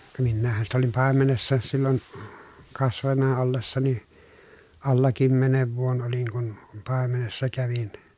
ka minähän sitä olin paimenessa silloin kasvanut ollessani alla kymmenen vuoden olin kun paimenessa kävin